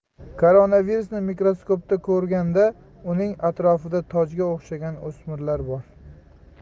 koronavirusini mikroskopda ko'rganda uning atrofida tojga o'xshagan o'smalar bor